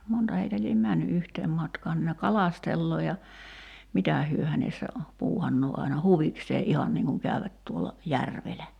monta heitä lie mennyt yhteen matkaan niin ne kalastelee ja mitä he hänessä puuhannee aina huvikseen ihan niin kun käyvät tuolla järvellä